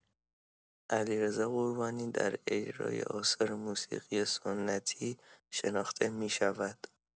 علیرضا قربانی در اجرای آثار موسیقی سنتی شناخته می‌شود.